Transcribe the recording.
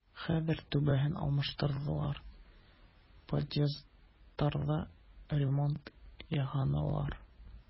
Хәзер түбәсен алыштырдылар, подъездларда ремонт ясадылар.